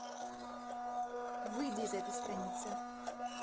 выйди из этой страницы